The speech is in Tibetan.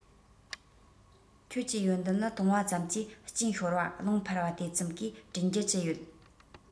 ཁྱོད ཀྱི ཡོན ཏན ལ བཏུངས པ ཙམ གྱིས གཅིན ཤོར བ རླུང འཕར བ དེ ཙམ གས དྲིན རྒྱུ ཅི ཡོད